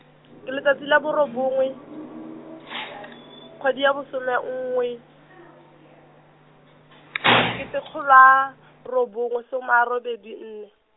ke letsatsi la borobongwe , kgwedi ya bosome nngwe , ketekgolo a, robongwe some a robedi nne.